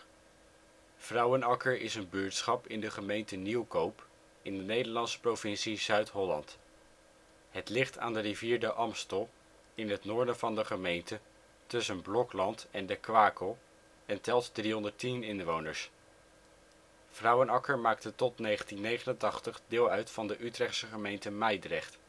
Vrouwenakker is een buurtschap in de gemeente Nieuwkoop, in de Nederlandse provincie Zuid-Holland. Het ligt aan de rivier de Amstel in het noorden van de gemeente tussen Blokland en De Kwakel en telt 310 inwoners. Vrouwenakker maakte tot 1989 deel uit van de Utrechtse gemeente Mijdrecht